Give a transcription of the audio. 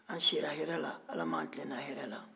an sira hɛrɛ la ala m'an tilenna hɛrɛ la